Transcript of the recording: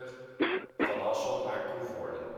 N377 (Hasselt - Coevorden